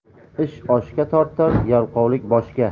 ish oshga tortar yalqovlik boshga